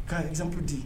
K ka jamup di